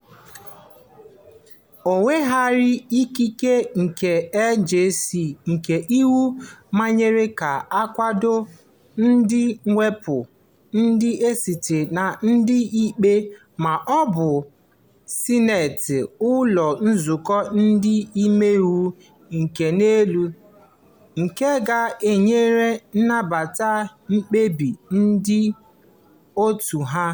O weghaara ikike nke NJC nke iwu manyere ka a kwado ụdị mwepụ ndị a site na ndị ikpe ma ọ bụ Sineeti (ụlọ nzukọ ndị omeiwu nke ka elu) nke ga-enyerịrị nnabata mkpebi ndị dị otu ahụ.